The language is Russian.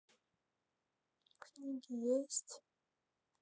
книги есть